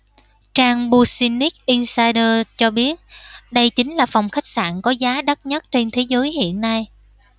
trang business insider cho biết đây chính là phòng khách sạn có giá đắt nhất trên thế giới hiện nay